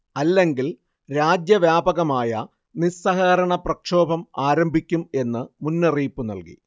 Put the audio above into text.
അല്ലെങ്കിൽ രാജ്യവ്യാപകമായ നിസ്സഹകരണ പ്രക്ഷോഭം ആരംഭിക്കും എന്നു മുന്നറിയിപ്പു നൽകി